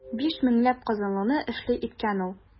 Биш меңләп казанлыны эшле иткән ул.